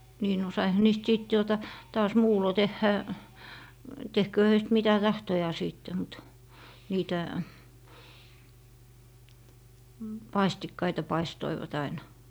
niin no saihan niistä sitten tuota taas muulloin tehdä tehköön heistä mitä tahtoo sitten mutta niitä